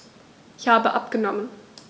Ich habe abgenommen.